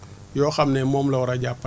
yoo xam ne moom la war a jàppale